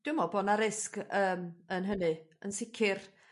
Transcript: Dwi me'wl bo' 'na risg yym yn hynny yn sicir